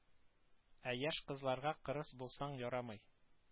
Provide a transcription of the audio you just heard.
Ә яшь кызларга кырыс булсаң ярамый